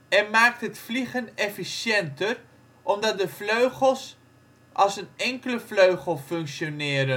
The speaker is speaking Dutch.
en maakt het vliegen efficiënter omdat de vleugels als een enkele vleugel functioneert